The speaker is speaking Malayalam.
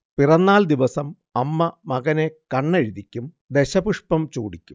പിറന്നാൾ ദിവസം അമ്മ മകനെ കണ്ണെഴുതിക്കും, ദശപുഷ്പം ചൂടിക്കും